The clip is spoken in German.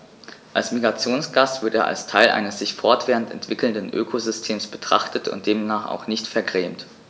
Als Migrationsgast wird er als Teil eines sich fortwährend entwickelnden Ökosystems betrachtet und demnach auch nicht vergrämt.